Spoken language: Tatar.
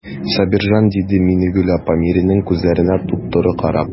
Сабирҗан,– диде Миннегөл апа, иренең күзләренә туп-туры карап.